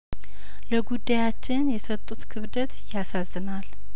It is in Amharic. ለጉዳያችን የሰጡት ክብደት ያሳዝናል